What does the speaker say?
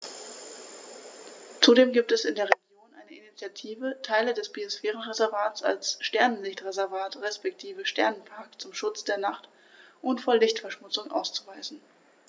Zudem gibt es in der Region eine Initiative, Teile des Biosphärenreservats als Sternenlicht-Reservat respektive Sternenpark zum Schutz der Nacht und vor Lichtverschmutzung auszuweisen.